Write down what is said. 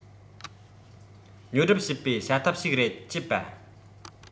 ཉོ སྒྲུབ བྱེད པའི བྱ ཐབས ཤིག རེད སྤྱད པ